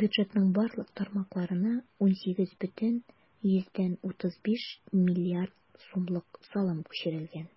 Бюджетның барлык тармакларына 18,35 млрд сумлык салым күчерелгән